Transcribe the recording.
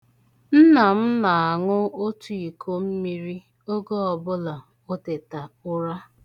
Nna m na-aṅụ otu iko mmiri oge ọbụla o teta ụra.